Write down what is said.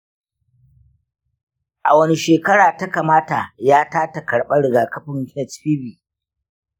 a wani shekara ta kamata yata ta karɓa rigakafin hpv